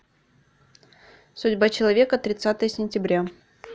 судьба человека тридцатое сентября